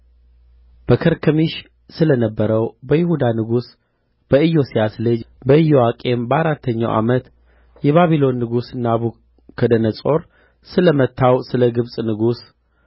በከርከሚሽ ስለ ነበረው በይሁዳ ንጉሥ በኢዮስያስ ልጅ በኢዮአቄም በአራተኛው ዓመት የባቢሎን ንጉሥ ናቡከደነፆር ስለ መታው ስለ ግብጽ ንጉሥ